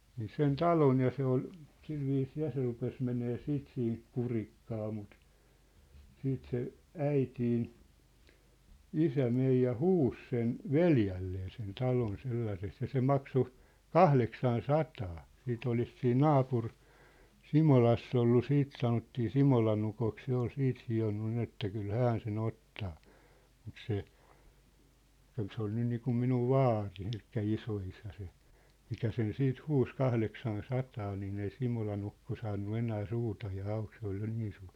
niin sen talon ja se oli sillä viisiin ja se rupesi menemään sitten siitä kurikkaan mutta sitten se äitini isä meni ja huusi sen veljelleen sen talon sellaiseksi ja se maksoi kahdeksan sataa siitä olisi siinä - Simolassa ollut sitten sanottiin Simolan ukoksi se oli sitten hionut niin että kyllä hän sen ottaa mutta se kyllä se oli niin kuin minun vaari eli isoisä se mikä sen sitten huusi kahdeksan sataa niin ei Simolan ukko saanut enää suutaan auki se oli jo niin suuri